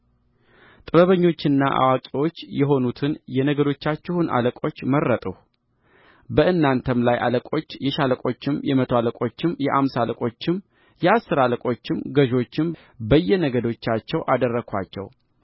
ጥበበኞችና አዋቂዎች የሆኑትን የነገዶቻችሁን አለቆች መረጥሁ በእናንተም ላይ አለቆች የሻለቆችም የመቶ አለቆችም የአምሳ አለቆችም የአሥር አለቆችም ገዦችም በየነገዶቻቸው አደረግኋቸው